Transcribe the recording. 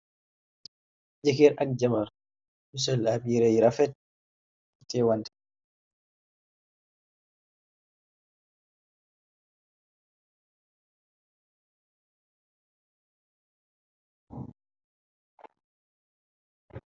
Jekeer ak jabar, yu sol ab yirey rafet te wante.